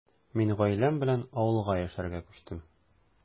Мин гаиләм белән авылга яшәргә күчтем.